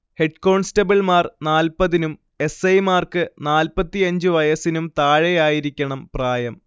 ഹെഡ്കോൺസ്റ്റബിൾമാർ നാല്പതിനും S. I. മാർക്ക് നാൽപ്പത്തിയഞ്ച് വയസ്സിനും താഴെയായിരിക്കണം പ്രായം